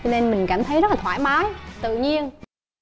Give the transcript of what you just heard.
nên mình cảm thấy rất là thoải mái tự nhiên